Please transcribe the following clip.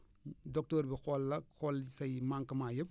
docteur bi xool la xool say manquement yëpp